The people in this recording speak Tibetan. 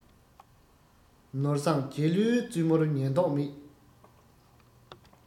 ནོར བཟང རྒྱ ལུའི བཙུན མོར ཉན མདོག མེད